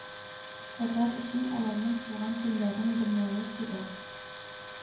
Атар өчен аларның туган телләрен белмәве кирәк.